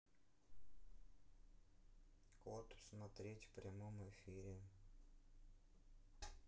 кот смотреть в прямом эфире